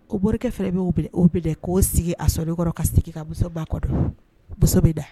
Ko morikɛ fana bɛ o minɛ k'o sigi a sonikɔrɔ ka sigi ka muso makɔnɔ muso